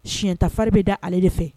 Sita fariri bɛ da ale de fɛ